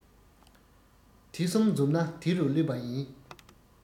དེ གསུམ འཛོམས ན དེ རུ སླེབས པ རེད